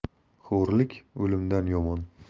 xo'rlik o'limdan yomon